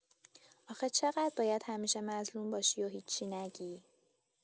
آخه چقدر باید همیشه مظلوم باشی و هیچی نگی؟